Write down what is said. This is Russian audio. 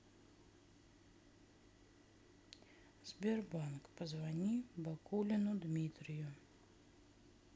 сбербанк позвони бакулину дмитрию